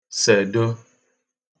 sèdo